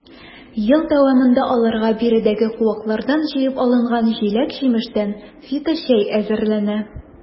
Ел дәвамында аларга биредәге куаклардан җыеп алынган җиләк-җимештән фиточәй әзерләнә.